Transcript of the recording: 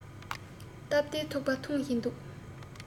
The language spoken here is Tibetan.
སྟབས བདེའི ཐུག པ འཐུང བཞིན འདུག